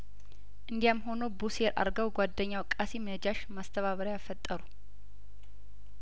እንዲያም ሆኖ ቡሴር አርጋው ጓደኛው ቃሲም ነጃሽ ማስተባበሪ ያፈጠሩ